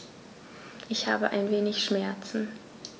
Ich habe ein wenig Schmerzen.